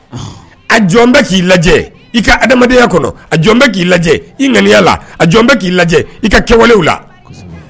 A jɔn bɛɛ k'i lajɛ i ka adamadenyaya kɔnɔ a jɔn bɛɛ k'i i ŋya la a jɔn k'i i ka kɛwalew la